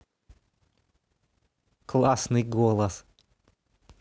классный голос